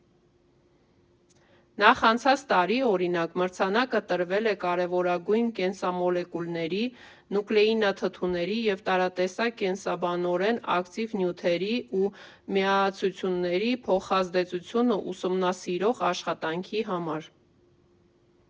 Նախանցած տարի, օրինակ, մրցանակը տրվել է կարևորագույն կենսամոլեկուլների՝ նուկլեինաթթուների և տարատեսակ կենսաբանորեն ակտիվ նյութերի ու միացությունների փոխազդեցությունը ուսումնասիրող աշխատանքի համար։